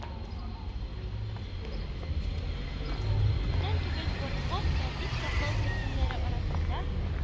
Күптән түгел «форпост» тәртип саклау төркемнәре арасында